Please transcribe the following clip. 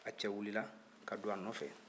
a cɛ wili la ka don a nɔfɛ